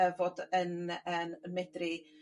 yrr fod yn yn medri